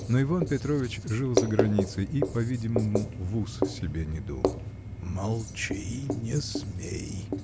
но Иван Петрович жил за границей и, по-видимому, в ус себе не дул. "Молчи! Не смей!